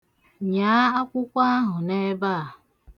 Nyaa akwụkwọ ahụ n'ebe a.